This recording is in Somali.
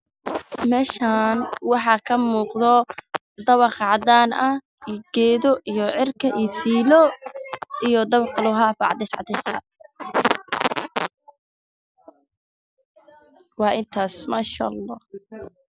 Meshan waxaa ka muuqda dabaq cadaan ah